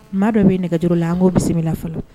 Maa dɔ b'i nɛgɛj la an k'o bisimila fɔlɔ